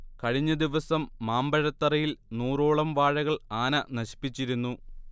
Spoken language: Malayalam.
കഴിഞ്ഞദിവസം മാമ്പഴത്തറയിൽ നൂറോളം വാഴകൾ ആന നശിപ്പിച്ചിരുന്നു